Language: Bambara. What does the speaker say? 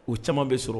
U caman bɛ sɔrɔ